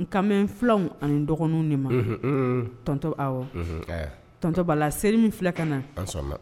N kan bɛ n filanw ani n dɔgɔninw de ma, unhun, un, tonton awɔ tonton Bala seli min filɛ ka na